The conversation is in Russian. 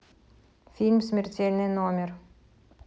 фильм смертельный номер